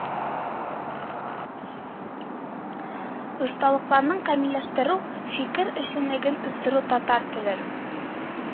Осталыкларын камиллəштерү, фикер эшчəнлеген үстерү, татар телен